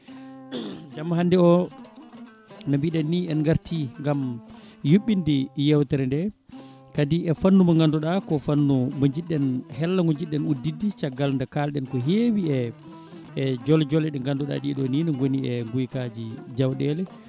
jamma hande o no mbiɗen ni engarti gaam yuɓɓinde yewtere nde kadi e fannu mo ganduɗa ko fannu mo jiɗɗen ko hello ngo jiɗɗen udditde caggal nde kalɗen ko hewi e e joole joole ɗe ganduɗa ɗeɗo ni ne gooni e guykaji jawɗele